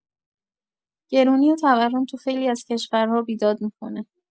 گرونی و تورم تو خیلی از کشورها بیداد می‌کنه.